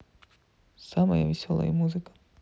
самая веселая музыка